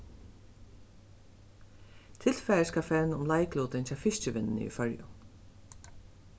tilfarið skal fevna um leiklutin hjá fiskivinnuni í føroyum